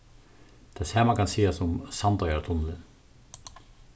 tað sama kann sigast um sandoyartunnilin